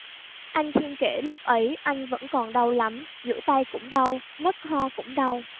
anh thiên kể lúc ấy anh vẫn còn đau lắm duỗi tay cũng đau nấc ho cũng đau